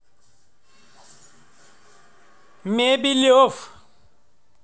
мебелев